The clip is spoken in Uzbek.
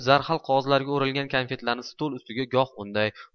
zarhal qog'ozlarga o'ralgan konfetlarni stol ustiga goh unday